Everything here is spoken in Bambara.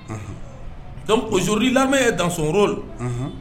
Unhun, donc aujourd'hui l'armée est dans son rôle